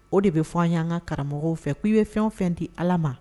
O de be fɔ an ye an ŋa karamɔgɔw fɛ k'i be fɛn o fɛn di Ala ma